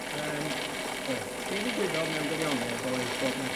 Yym, o ia, be' ddigwyddodd mewn gwirionedd oedd bod 'na